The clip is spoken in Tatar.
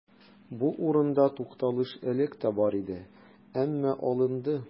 Бу урында тукталыш элек тә бар иде, әмма алынды.